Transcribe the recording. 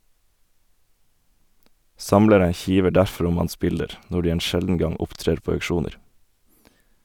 Samlere kiver derfor om hans bilder, når de en sjelden gang opptrer på auksjoner.